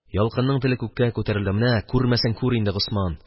Ялкынның теле күккә күтәрелде: менә, күрмәсәң күр инде, Госман!